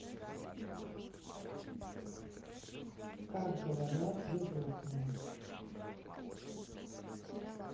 как говорят животные